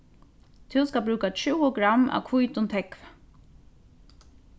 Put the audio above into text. tú skalt brúka tjúgu gramm av hvítum tógvi